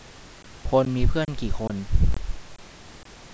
พลมีเพื่อนกี่คน